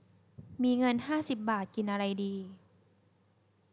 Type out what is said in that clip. มีเงินห้าสิบบาทกินอะไรดี